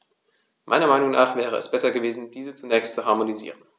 Meiner Meinung nach wäre es besser gewesen, diese zunächst zu harmonisieren.